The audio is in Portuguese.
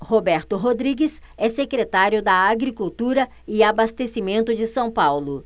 roberto rodrigues é secretário da agricultura e abastecimento de são paulo